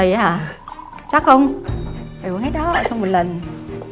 đầy á hả chắc không phải uống hết đó tại trong một lần